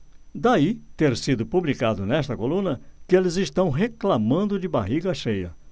daí ter sido publicado nesta coluna que eles reclamando de barriga cheia